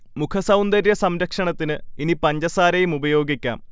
മുഖ സൗന്ദര്യ സംരക്ഷണത്തിന് ഇനി പഞ്ചസാരയും ഉപയോഗിക്കാം